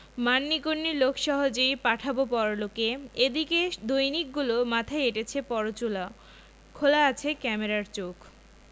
মান্যিগন্যি লোক সহজেই পাঠাবো পরলোকে এদিকে দৈনিকগুলো মাথায় এঁটেছে পরচুলো খোলা আছে ক্যামেরার চোখ